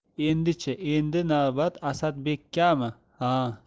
endi chi endi navbat asadbekkami ha